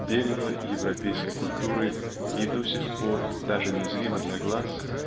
Дерево европейской культуры и до сих пор даже незримо для глаз